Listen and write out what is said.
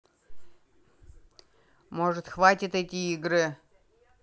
может хватит эти игры